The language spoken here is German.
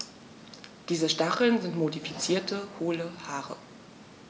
Diese Stacheln sind modifizierte, hohle Haare.